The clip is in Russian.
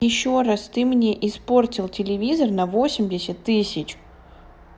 еще раз ты мне испортил телевизор на восемьдесят тысяч